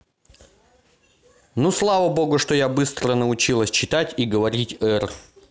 ну слава богу что я быстро научилась читать и говорить р